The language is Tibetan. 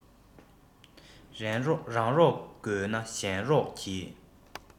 རང རོགས དགོས ན གཞན རོགས གྱིས